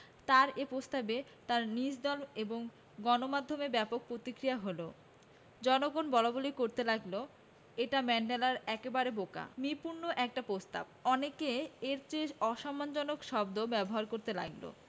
তাঁর এ প্রস্তাবে তাঁর নিজ দল এবং গণমাধ্যমে ব্যাপক প্রতিক্রিয়া হলো জনগণ বলাবলি করতে লাগল এটা ম্যান্ডেলার একেবারে বোকা মিপূর্ণ একটা প্রস্তাব অনেকে এর চেয়ে অসম্মানজনক শব্দ ব্যবহার করতে লাগল